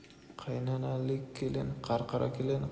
qaynanalik kelin qarqara kelin